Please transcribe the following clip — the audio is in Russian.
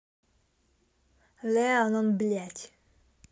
lean on блядь